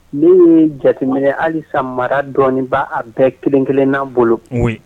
Ne ye jateminɛ hali san mara dɔba a bɛɛ kelen-kelen' bolo mun